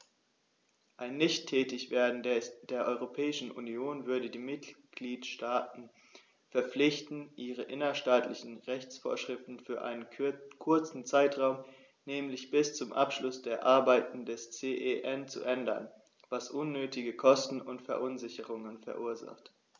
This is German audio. Ein Nichttätigwerden der Europäischen Union würde die Mitgliedstaten verpflichten, ihre innerstaatlichen Rechtsvorschriften für einen kurzen Zeitraum, nämlich bis zum Abschluss der Arbeiten des CEN, zu ändern, was unnötige Kosten und Verunsicherungen verursacht.